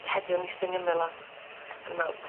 heddiw yn iste yn 'i ymyl o o'n i me'wl